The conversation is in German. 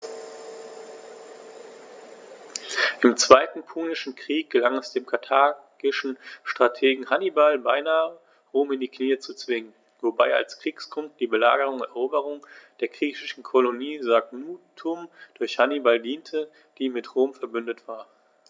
Im Zweiten Punischen Krieg gelang es dem karthagischen Strategen Hannibal beinahe, Rom in die Knie zu zwingen, wobei als Kriegsgrund die Belagerung und Eroberung der griechischen Kolonie Saguntum durch Hannibal diente, die mit Rom „verbündet“ war.